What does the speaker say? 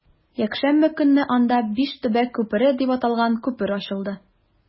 Якшәмбе көнне анда “Биш төбәк күпере” дип аталган күпер ачылды.